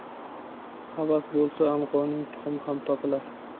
havas bo'lsa anqoning tuxumi ham topilar